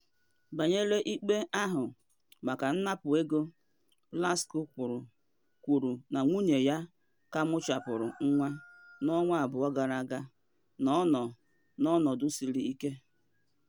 Banyere ikpe ahụ maka “nnapụ ego,” Plasco kwuru na nwunye ya ka mụchapụrụ nwa n’ọnwa abụọ gara aga, na ọ nọ “n’ọnọdụ siri ike.”